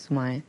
so mae